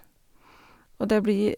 Og det blir...